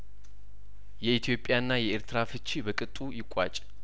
የኢትዮጵያ ና የኤርትራ ፍቺ በቅጡ ይቋጭ